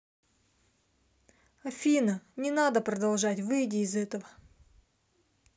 афина не надо продолжать выйди из этого